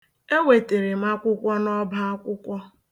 E wetere m akwụkwọ na ọbaakwụkwọ